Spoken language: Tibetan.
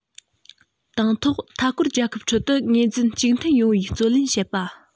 དང ཐོག མཐའ སྐོར རྒྱལ ཁབ ཁྲོད དུ ངོས འཛིན གཅིག མཐུན ཡོང བའི བརྩོན ལེན བྱེད པ